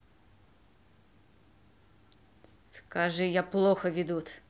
скажи я плохо ведут